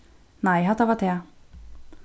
nei hatta var tað